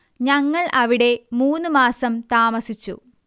ഞങ്ങൾ അവിടെ മൂന്ന് മാസം താമസിച്ചു